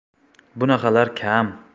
bunaqalar kam